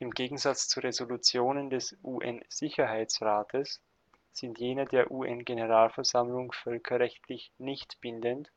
Im Gegensatz zu Resolutionen des UN-Sicherheitsrates sind jene der UN-Generalversammlung völkerrechtlich nicht bindend,